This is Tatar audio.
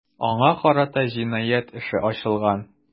Аңа карата җинаять эше ачылган.